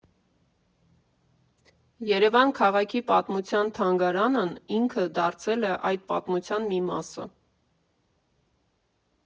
Երևան քաղաքի պատմության թանգարանն ինքը դարձել է այդ պատմության մի մասը։